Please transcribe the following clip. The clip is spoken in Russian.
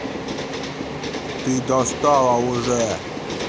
ты достала уже